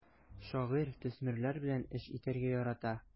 Шагыйрь төсмерләр белән эш итәргә ярата.